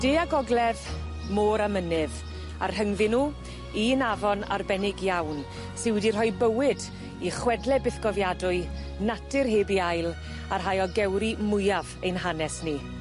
De a gogledd, môr a mynydd, a rhyngddi nw, un afon arbennig iawn sy wedi rhoi bywyd i chwedle bythgofiadwy, natur heb 'i ail, a rhai o gewri mwyaf ein hanes ni.